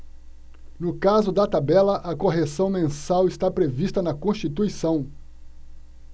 no caso da tabela a correção mensal está prevista na constituição